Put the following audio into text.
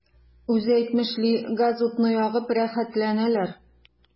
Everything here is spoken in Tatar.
Үзе әйтмешли, газ-утны ягып “рәхәтләнәләр”.